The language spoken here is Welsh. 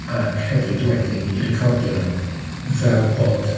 Ac hefyd wedyn i recordio nhw fel bod…